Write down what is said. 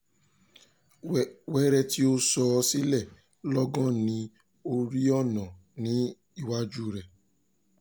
Wéré tí ó sọ ọ́ sílẹ̀, logan ni ó rí ọ̀nà ní iwájúu rẹ̀.